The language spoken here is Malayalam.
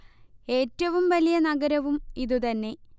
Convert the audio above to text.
ഏറ്റവും വലിയ നഗരവും ഇതു തന്നെ